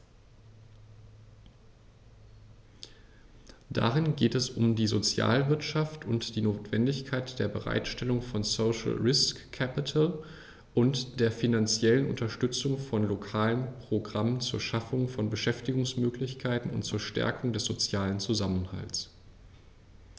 Darin geht es um die Sozialwirtschaft und die Notwendigkeit der Bereitstellung von "social risk capital" und der finanziellen Unterstützung von lokalen Programmen zur Schaffung von Beschäftigungsmöglichkeiten und zur Stärkung des sozialen Zusammenhalts.